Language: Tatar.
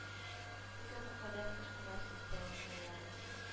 Нигә бу кадәр кычкырасыз балакайларым